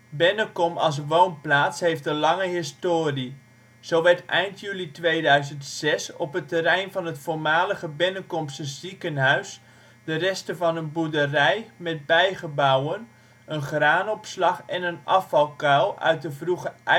Bennekom als woonplaats heeft een lange historie. Zo werd eind juli 2006 op het terrein van het voormalige Bennekomse ziekenhuis de resten van een boerderij met bijgebouwen, een graanopslag - en een afvalkuil uit de vroege ijzertijd (800